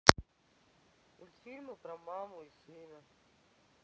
мультфильмы про маму и сына